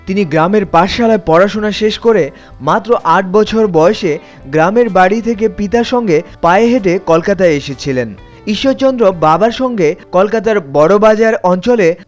তিনি গ্রামের পাঠশালায় পড়াশোনা শেষ করে মাত্র আট বছর বয়সে গ্রামের বাড়ি থেকে পিতার সঙ্গে পায়ে হেঁটে কলকাতায় এসেছিলেন ঈশ্বরচন্দ্র বাবার সঙ্গে কলকাতার বড়বাজার অঞ্চলে